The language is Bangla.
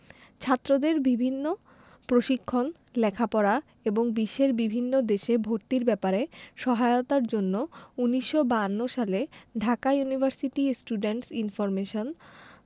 ছাত্রদের বিভিন্ন প্রশিক্ষণ লেখাপড়া এবং বিশ্বের বিভিন্ন দেশে ভর্তির ব্যাপারে সহায়তার জন্য ১৯৫২ সালে ঢাকা ইউনিভার্সিটি স্টুডেন্টস ইনফরমেশন